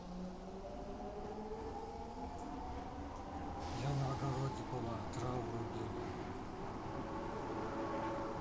я на огороде была траур убила